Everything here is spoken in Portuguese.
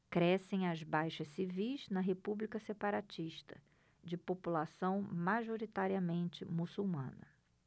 crescem as baixas civis na república separatista de população majoritariamente muçulmana